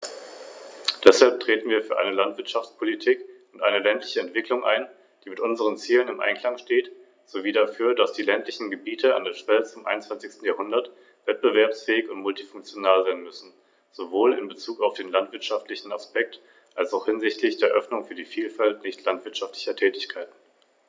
Zu meiner Freude besteht auch mit dem Rat Übereinstimmung über Mindestanforderungen für deren Prüfung, obgleich ich mit dem Ziel international gleichwertiger Befähigungsnachweise einheitliche verbindliche Normen und Regelungen bevorzugt hätte.